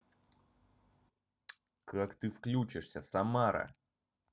как ты выключишься самара